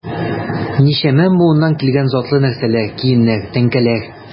Ничәмә буыннан килгән затлы нәрсәләр, киемнәр, тәңкәләр...